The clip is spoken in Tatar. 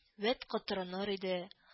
Вәт котырыныр иде